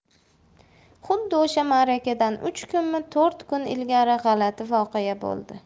xuddi o'sha marakadan uch kunmi to'rt kun ilgari g'alati voqea bo'ldi